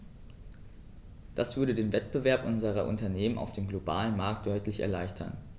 Das würde den Wettbewerb unserer Unternehmen auf dem globalen Markt deutlich erleichtern.